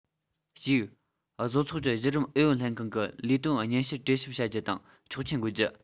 གཅིག བཟོ ཚོགས ཀྱི གཞི རིམ ཨུ ཡོན ལྷན ཁང གི ལས དོན སྙན ཞུར གྲོས ཞིབ བྱ རྒྱུ དང ཆོག མཆན འགོད རྒྱུ